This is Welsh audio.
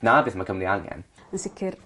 'Na beth ma' Cymru angen. Yn sicir